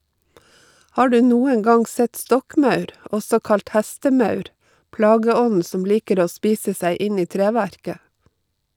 Har du noen gang sett stokkmaur , også kalt hestemaur, plageånden som liker å spise seg inn i treverket?